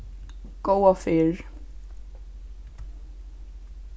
góða ferð